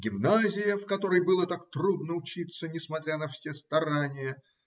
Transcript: Гимназия, в которой было так трудно учиться, несмотря на все старания